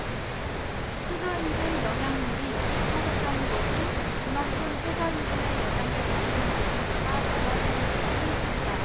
최저임금 영향률이 높아졌다는 것은 그만큼 최저임금의 영향을 받는 노동자가 많아지고 있다는 뜻이다